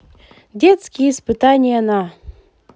детские испытания на